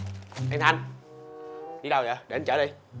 ê thanh đi đâu vậy để anh trở đi